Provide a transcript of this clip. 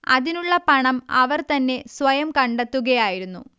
അതിനുള്ള പണം അവർ തന്നെ സ്വയം കണ്ടെത്തുകയായിരുന്നു